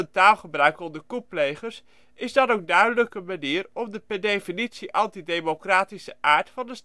taalgebruik onder coupplegers is dan ook duidelijk een manier om de per definitie antidemocratische aard van